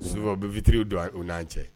Sittiriri don u n'an cɛ